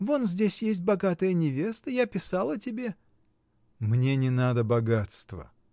вон здесь есть богатая невеста. Я писала тебе. — Мне не надо богатства!